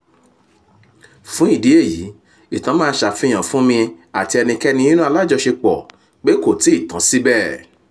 Fún ìdí èyí ìtàn máa ṣàfihàn fún mi àti ẹnikẹ́ni nínú alájọṣepọ̀ pe kò tíì tán síbẹ.